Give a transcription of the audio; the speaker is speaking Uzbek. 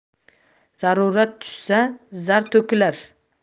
zarurat tushsa zar to'kilar